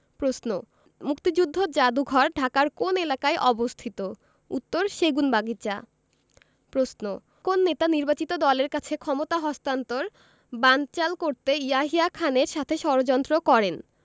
প্রশ্ন মুক্তিযুদ্ধ যাদুঘর ঢাকার কোন এলাকায় অবস্থিত উত্তরঃ সেগুনবাগিচা প্রশ্ন কোন নেতা নির্বাচিত দলের কাছে ক্ষমতা হস্তান্তর বানচাল করতে ইয়াহিয়া খানের সাথে ষড়যন্ত্র করেন